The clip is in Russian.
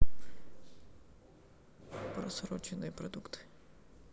просроченные продукты